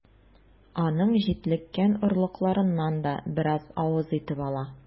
Аның җитлеккән орлыкларыннан да бераз авыз итеп ала.